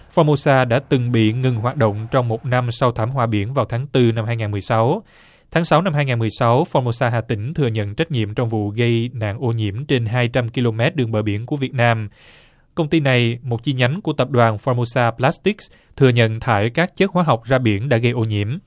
pho mô sa đã từng bị ngừng hoạt động trong một năm sau thảm họa biển vào tháng tư năm hai ngàn mười sáu tháng sáu năm hai ngàn mười sáu pho mô sa hà tĩnh thừa nhận trách nhiệm trong vụ gây nạn ô nhiễm trên hai trăm ki lô mét đường bờ biển của việt nam công ty này một chi nhánh của tập đoàn pho mô sa pờ lát tích thừa nhận thải các chất hóa học ra biển đã gây ô nhiễm